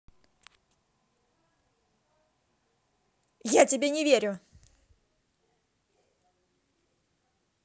я тебе не верю